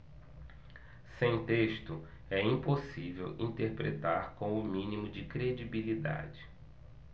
sem texto é impossível interpretar com o mínimo de credibilidade